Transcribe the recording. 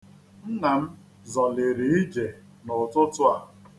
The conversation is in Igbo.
Nna m zọliri ije n'ụtụtụ a.